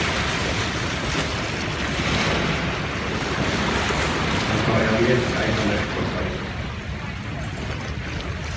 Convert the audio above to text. men tá eg havi etið ein tallerk droppaði eg tað